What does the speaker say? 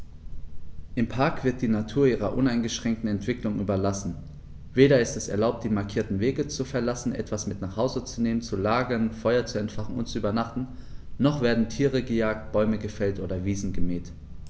Im Park wird die Natur ihrer uneingeschränkten Entwicklung überlassen; weder ist es erlaubt, die markierten Wege zu verlassen, etwas mit nach Hause zu nehmen, zu lagern, Feuer zu entfachen und zu übernachten, noch werden Tiere gejagt, Bäume gefällt oder Wiesen gemäht.